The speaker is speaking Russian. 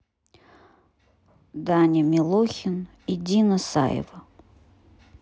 даня милохин и дина саева